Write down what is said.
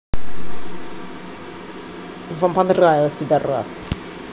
вам понравилось пидарас